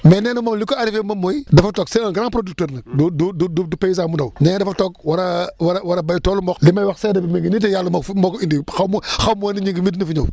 mais nee na moom li ko arrivé moom mooy dafa toog c' est un grand producteur nag du du du paysan bu ndaw nee na dafa toog war a war a war a béy toolu mboq li may wax seede bi mi ngi nii de yàlla moo ko moo ko fi indi xaw ma xaw ma woon ni Ngingue mii dina fi ñëw